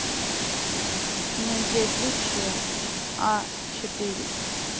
найди отличия а четыре